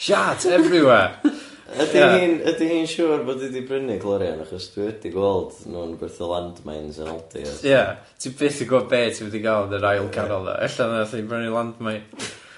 Shards everywhere! Ia. Ydi hi'n ydi hi'n siŵr bod hi 'di brynu glorian achos dw i wedi gweld nhw'n gwerthu landmines yn Aldi a... Ia, ti byth yn gwbod be' ti mynd i ga'l yn yr aisle canol 'na, ella nath hi brynu landmine.